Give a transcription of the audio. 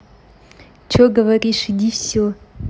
че говорить иди все